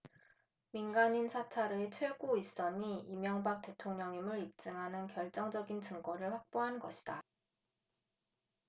민간인 사찰의 최고 윗선이 이명박 대통령임을 입증하는 결정적인 증거를 확보한 것이다